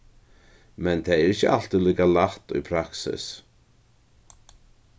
men tað er ikki altíð líka lætt í praksis